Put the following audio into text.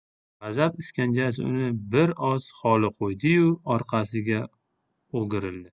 g'azab iskanjasi uni bir oz holi qo'ydi yu orqasiga o'girildi